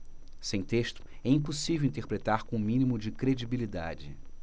sem texto é impossível interpretar com o mínimo de credibilidade